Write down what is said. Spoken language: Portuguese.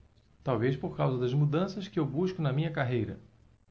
talvez por causa das mudanças que eu busco na minha carreira